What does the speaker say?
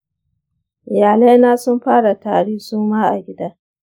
iyalai na sun fara tari su ma a gida.